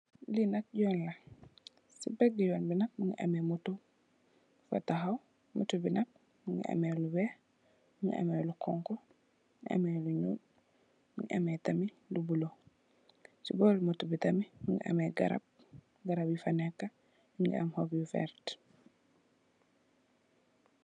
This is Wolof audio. lin ak yon si pegi yon bi mingi moto bufah taw motor bi nak mingi ammi lo weex mingi ammi lo xongo mingi ammi lo nuul mingi ammi tarmit lo bulue ci borri moto bi tarmit mingi ammi gram gram yu wert.